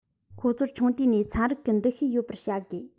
ཁོ ཚོར ཆུང དུས ནས ཚན རིག གི འདུ ཤེས ཡོད པ བྱ དགོས